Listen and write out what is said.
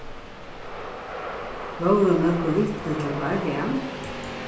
vóru nøkur vitni til bardagan